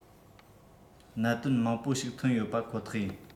གནད དོན མང པོ ཞིག ཐོན ཡོད པ ཁོ ཐག ཡིན